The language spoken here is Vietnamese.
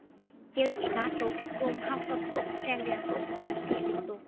tiêu chí ba tốt gồm học tập tốt rèn luyện tốt và thể lực tốt